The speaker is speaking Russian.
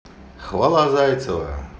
хвала зайцева